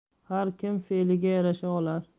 har kim fe'liga yarasha olar